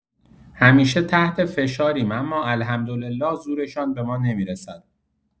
همیشه تحت فشاریم اما الحمدلله زورشان به ما نمی‌رسد.